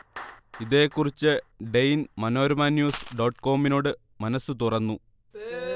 ഇതേക്കുറിച്ച് ഡെയ്ൻ മനോരമ ന്യൂസ് ഡോട്ട്കോമിനോട് മനസ് തുറന്നു